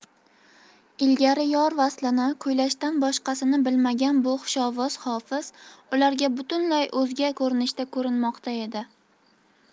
ilgari yor vaslini kuylashdan boshqasini bilmagan bu xushovoz hofiz ularga butunlay o'zga ko'rinishda ko'rinmoqda edi